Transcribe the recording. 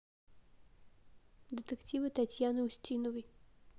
детективы татьяны устиновой